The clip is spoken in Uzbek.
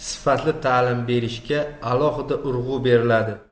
ta'lim berilishiga alohida urg'u beriladi